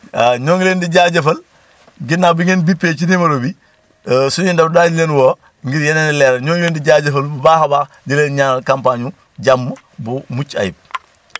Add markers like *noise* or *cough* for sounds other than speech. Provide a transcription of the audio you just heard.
waaw ñoo ngi leen di jaajëfal ginnaaw bi ngeen bippé ci numéro bi *hesitation* suñuy ndaw daañu leen woo ngir yeneen i leeral ñoo ngi leen di jaajëfal bu baax a baax di leen ñaanal kampaañub jàmm bu mucc ayib *noise*